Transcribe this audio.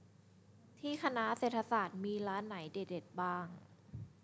ที่เศรษฐศาสตร์มีร้านไหนเด็ดเด็ดบ้าง